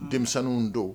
Denmisɛnninw don.